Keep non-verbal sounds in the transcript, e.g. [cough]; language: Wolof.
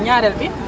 ñaareel bi [noise]